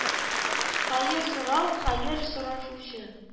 Хәер сорау хәер сорашучы